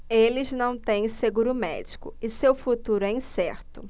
eles não têm seguro médico e seu futuro é incerto